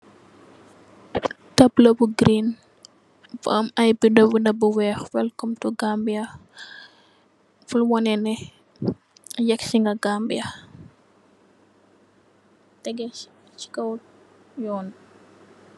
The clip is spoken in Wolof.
Tableau bu green bu am ai binda binda bu wehk, welcome to Gambia, purr wanene yekci nga Gambia, tegeh ci kaw yon.